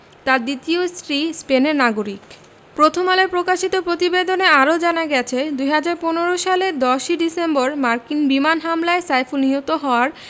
তাঁর দ্বিতীয় স্ত্রী স্পেনের নাগরিক প্রথম আলোয় প্রকাশিত প্রতিবেদনে আরও জানা গেছে ২০১৫ সালের ১০ই ডিসেম্বর মার্কিন বিমান হামলায় সাইফুল নিহত হওয়ার